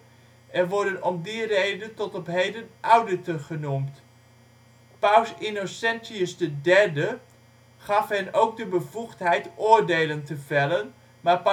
en worden om die reden tot op heden " auditor " genoemd. Paus Innocentius III (1198-1216) gaf hen ook de bevoegdheid oordelen te vellen, maar